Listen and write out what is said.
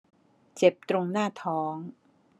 เจ็บตรงหน้าท้อง